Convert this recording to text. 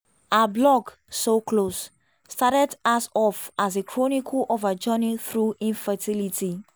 Her blog, So Close, started as off as a chronicle of her journey through infertility.